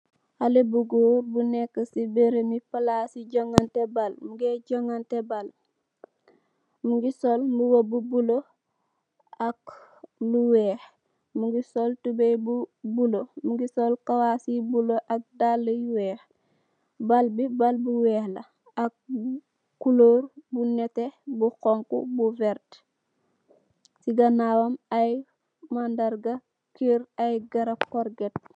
Haleh bu gorr bu nekka si mberem bi palasi jonxanteh ball, mugeh jonxanteh baal, mugi sol bouba bu bulue ak lu wekh, mugi sol tobaye bu bulue, mugi sol qawass yu bulue ak daala yu wekh, baal bi baal bu wekh la ak color bu neete, bu xonxo, bu werte. si ganawam ay mandarga kerr ay garam.